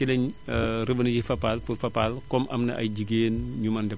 ci lañu revenir ci Fapal pour Fapal comme am na ay jigéen ñu mën dem